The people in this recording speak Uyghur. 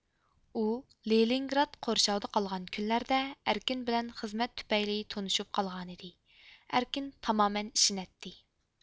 ئۇ لېنىنگراد قورشاۋدا قالغان كۈنلەردە ئەركىن بىلەن خىزمەت تۈپەيلى تونۇشۇپ قالغانىدى ئەركىن تامامەن ئىشىنەتتى